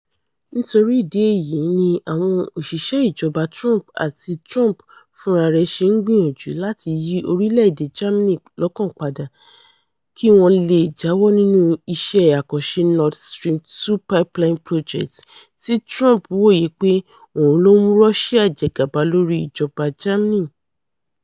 Nítorí ìdí èyí ni àwọn òṣìṣẹ́ Ìjọba Trump àti Trump fúnra rẹ̀ ṣe ń gbìyànjú láti yí orílẹ̀èdè Germany lọ́kàn padà kí wọ́n lè jáwọ́ nínú iṣẹ́ àkànṣè Nord Stream 2 pipeline project tí Trump wòye pé òun ló mú Russia jẹ gàba lórí ìjọba Germany.